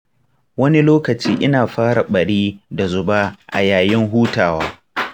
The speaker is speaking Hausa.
wani lokaci ina fara ɓari da zufa a yayin hutawa.